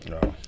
waaw